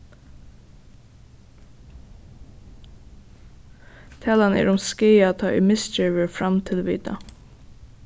talan er um skaða tá ið misgerð verður framd tilvitað